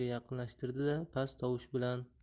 yuzini unga yaqinlashtirdi da past tovush bilan